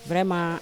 vraiment